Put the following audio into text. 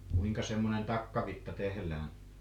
kuinka semmoinen takkavitsa tehdään